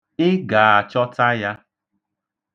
Ị ga-achọta ya.